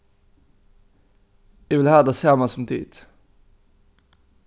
eg vil hava tað sama sum tit